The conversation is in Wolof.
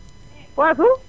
poosu